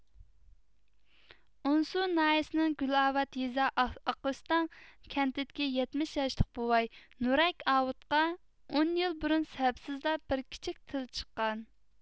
ئونسۇ ناھىيىسىنىڭ گۈلاۋات يېزا ئاقئۆستەڭ كەنتىدىكى يەتمىش ياشلىق بوۋاي نۇرەك ئاۋۇتقا ئون يىل بۇرۇن سەۋەبسىزلا بىر كىچىك تىل چىققان